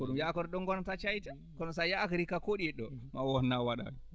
ko ɗum yaakori ɗon ngonataa caayca kono so a yaakorii ko a koɗiiɗo ma won na a waɗaani